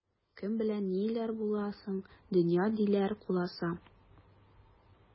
Кем белә ниләр буласын, дөнья, диләр, куласа.